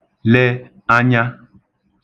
le anya